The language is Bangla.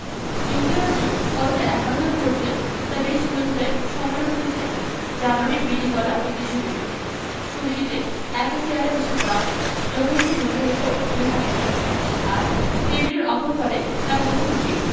যুক্তরাষ্ট্র কতটা একা হয়ে পড়ছে তা বেশ বোঝা যায় সম্মেলন শেষে জার্মানির বিলি করা একটি ছবি থেকে ছবিটিতে একা চেয়ারে বসে ট্রাম্প যথারীতি বুকের ওপর দুই হাত গোটানো আর টেবিলের অপর পারে তাঁর মুখোমুখি